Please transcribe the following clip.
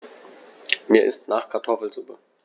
Mir ist nach Kartoffelsuppe.